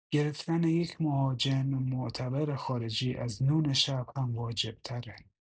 گرفتن یک مهاجم معتبر خارجی از نون شب هم واجب تره